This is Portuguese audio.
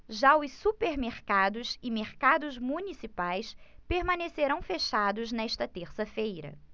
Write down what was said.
já os supermercados e mercados municipais permanecerão fechados nesta terça-feira